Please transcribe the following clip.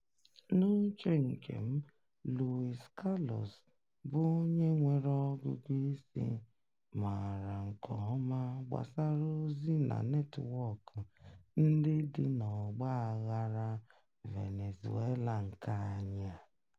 N'uche nke m, Luis Carlos bụ onye nwere ọgụgụ isi, maara nke ọma gbasara ozi na netwọkụ ndị dị n'ọgba aghara Venezuela nke anyị a.